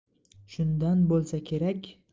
shundan bo'lsa kerak